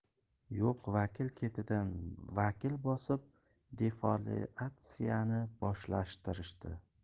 yo'q vakil ketidan vakil bosib defoliatsiyani boshlatishdi